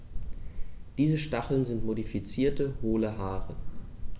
Diese Stacheln sind modifizierte, hohle Haare.